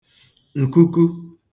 ǹkuku